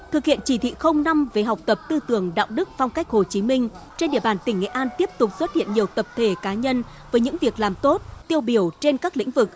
thực hiện chỉ thị không năm về học tập tư tưởng đạo đức phong cách hồ chí minh trên địa bàn tỉnh nghệ an tiếp tục xuất hiện nhiều tập thể cá nhân với những việc làm tốt tiêu biểu trên các lĩnh vực